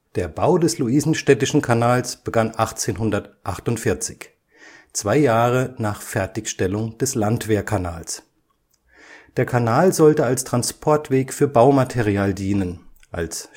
Der Bau des Luisenstädtischen Kanals begann 1848, zwei Jahre nach Fertigstellung des Landwehrkanals. Der Kanal sollte als Transportweg für Baumaterial dienen, als